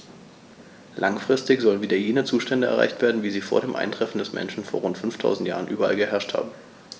Langfristig sollen wieder jene Zustände erreicht werden, wie sie vor dem Eintreffen des Menschen vor rund 5000 Jahren überall geherrscht haben.